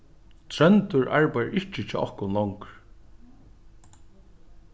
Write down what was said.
tróndur arbeiðir ikki hjá okkum longur